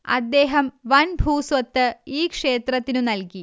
അദ്ദേഹം വൻ ഭൂസ്വത്ത് ഈ ക്ഷേത്രത്തിനു നൽകി